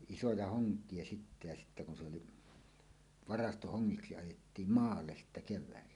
isoja honkia sitten ja sitten kun se oli varastohongiksi ajettiin maalle sitten keväällä